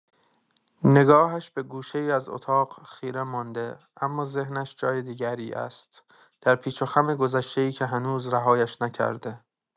نگاهش به گوشه‌ای از اتاق خیره مانده، اما ذهنش جای دیگری است، در پیچ‌وخم گذشته‌ای که هنوز رهایش نکرده.